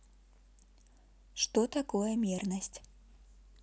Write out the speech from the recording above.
что такое мерность